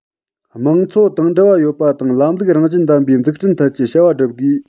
དམངས འཚོ དང འབྲེལ བ ཡོད པ དང ལམ ལུགས རང བཞིན ལྡན པའི འཛུགས སྐྲུན ཐད ཀྱི བྱ བ བསྒྲུབ དགོས